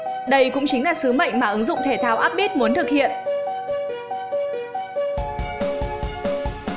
đây cũng chính là sứ mệnh mà ứng dụng thể thao up beat muốn thực hiện